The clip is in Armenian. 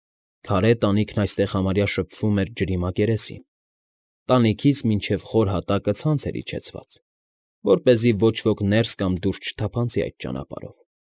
Քարե տանիքն այստեղ համարյա շփվում էր ջրի մակերեսին, տանիքից մինչև խոր հատակը ցանց էր իջեցված, որպեսզի ոչ ոք ներս կամ դուրս չթափանցի այդ ճանապարհով։